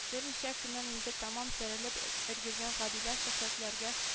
Берничә көннән инде тәмам терелеп өлгергән Гадилә Шөһрәтләргә